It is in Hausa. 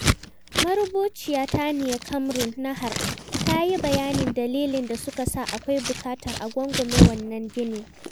Marubuciya Tania Kamrun Nahar ta yi bayanin dalilan da suka sa akwai buƙatar a kawwame wannan ginin: